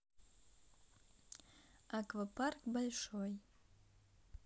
аквапарк большой